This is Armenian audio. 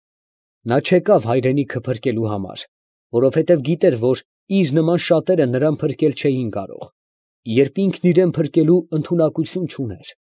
Նա չեկավ հայրենիքը փրկելու համար, որովհետև գիտեր, որ իր նման շատերը նրան փրկել չէին կարող, երբ ինքը իրան փրկելու ընդունակություն չուներ։